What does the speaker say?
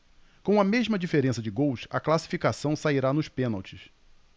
com a mesma diferença de gols a classificação sairá nos pênaltis